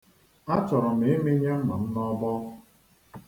Achọrọ m ịmịnye mma m n'ọbọ.